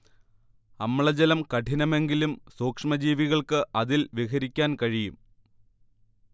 അമ്ലജലം കഠിനമെങ്കിലും സൂക്ഷമജീവികൾക്ക് അതിൽ വിഹരിക്കാൻ കഴിയും